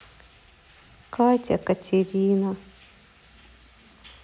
катя катерина